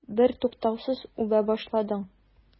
Бертуктаусыз үбә башладың.